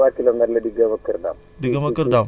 trois kilomètre la diggam ak Kër Dame